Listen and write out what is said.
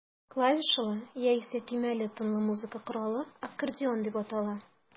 Клавишалы, яисә төймәле тынлы музыка коралы аккордеон дип атала.